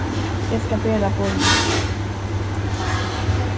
eg skal bera boðini víðari